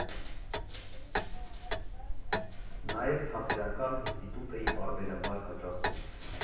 Նաև թատերական ինստիտուտ էի պարբերաբար հաճախում։